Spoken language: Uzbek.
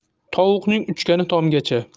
tovuqning uchgani tomgacha